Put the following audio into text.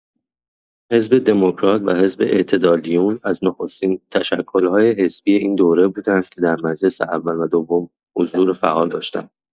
حزب دموکرات و حزب اعتدالیون از نخستین تشکل‌های حزبی این دوره بودند که در مجلس اول و دوم حضور فعال داشتند.